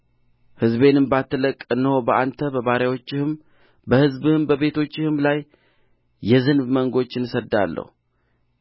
ሕዝቤንም ባትለቅቅ እነሆ በአንተ በባሪያዎችህም በሕዝብህም በቤቶችህም ላይ የዝንብ መንጎች እሰድዳለሁ